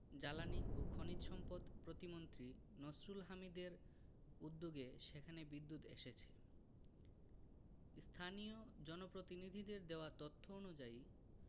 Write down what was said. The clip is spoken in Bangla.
জ্বালানি ও খনিজ সম্পদ প্রতিমন্ত্রী নসরুল হামিদদের উদ্যোগে সেখানে বিদ্যুৎ এসেছে স্থানীয় জনপ্রতিনিধিদের দেওয়া তথ্য অনুযায়ী